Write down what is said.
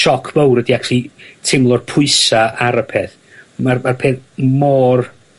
sioc fowr ydi actually teimlo'r pwysa' ar y peth. Ma' ma'r peth mor...